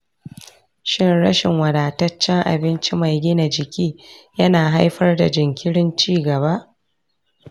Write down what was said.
shin rashin wadataccen abinci mai gina jiki yana haifar da jinkirin ci gaba